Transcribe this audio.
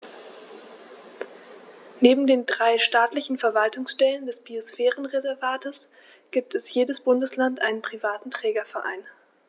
Neben den drei staatlichen Verwaltungsstellen des Biosphärenreservates gibt es für jedes Bundesland einen privaten Trägerverein.